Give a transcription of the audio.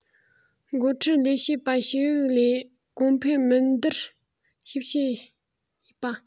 འགོ ཁྲིད ལས བྱེད པ ཞིག ལས གོ འཕེར མིན བསྡུར ཞིབ བྱེད པ